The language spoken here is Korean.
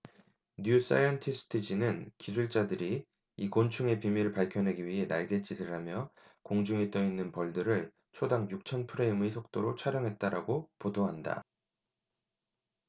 뉴 사이언티스트 지는 기술자들이 이 곤충의 비밀을 밝혀내기 위해 날갯짓을 하며 공중에 떠 있는 벌들을 초당 육천 프레임의 속도로 촬영했다라고 보도한다